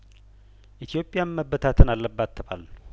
ኢትዮጵያም መበታተን አለባት ተባልን